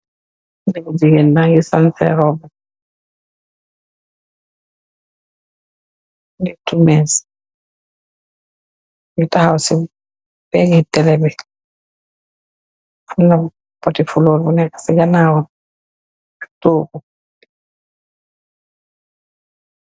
Xalèh bu gigeen ba ngi sanseh robu, lèttu més, mungi taxaw ci peg 'ngi telebi am na pôtti furóór bu nekka ci ganaw tohgu.